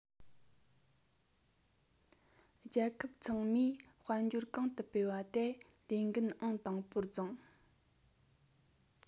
རྒྱལ ཁབ ཚང མས དཔལ འབྱོར གོང དུ སྤེལ བ དེ ལས འགན ཨང དང པོར བཟུང